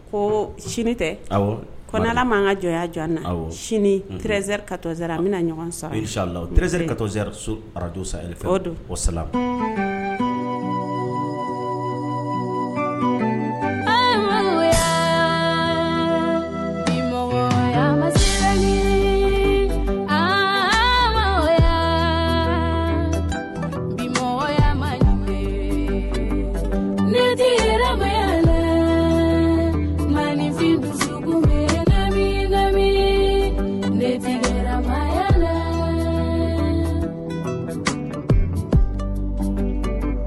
Ko sini tɛ kola ma kajɔya jɔn na sini terirezri ka tɔnzɛr n bɛna ɲɔgɔn sa sa la tizeri kazri su aradu sa o don o sa faama ya mɔgɔ ya lediɛlɛ ma nifinkun leya le